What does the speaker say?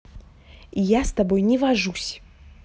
я с тобой не вожусь